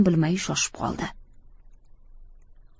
bilmay shoshib qoldi